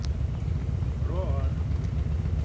роар